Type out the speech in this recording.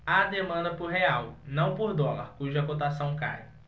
há demanda por real não por dólar cuja cotação cai